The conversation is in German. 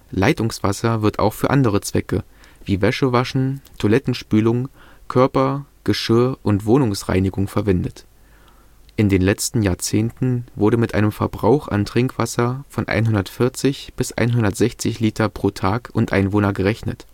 Leitungswasser wird auch für andere Zwecke, wie Wäschewaschen, Toilettenspülung, Körper -, Geschirr - und Wohnungsreinigung verwendet. In den letzten Jahrzehnten wurde mit einem Verbrauch an Trinkwasser von 140 bis 160 Liter pro Tag und Einwohner gerechnet